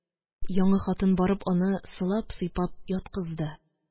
Яңы хатын, барып, аны сылап-сыйпап яткызды